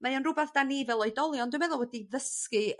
mae o'n rywbath 'dan ni fel oedolion dwi meddwl wedi ddysgu